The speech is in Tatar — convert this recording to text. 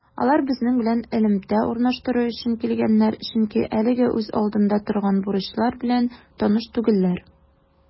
Алар безнең белән элемтә урнаштыру өчен килгәннәр, чөнки әлегә үз алдында торган бурычлар белән таныш түгелләр.